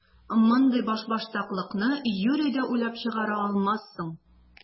Мондый башбаштаклыкны юри дә уйлап чыгара алмассың!